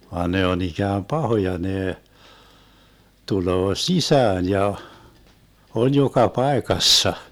vaan ne on ikään pahoja ne tulee sisään ja on joka paikassa